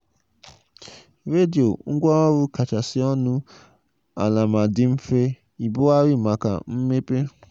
Redio - ngwaọrụ kachasị ọnụ ala ma dị mfe ibugharị maka mmepe